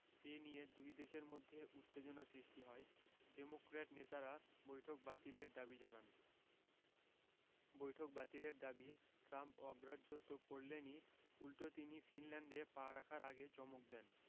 এ নিয়ে দুই দেশের মধ্যে উত্তেজনা সৃষ্টি হয় ডেমোক্র্যাট নেতারা বৈঠক বাতিলের দাবি জানান বৈঠক বাতিলের দাবি ট্রাম্প অগ্রাহ্য তো করলেনই উল্টো তিনি ফিনল্যান্ডে পা রাখার আগে চমক দেন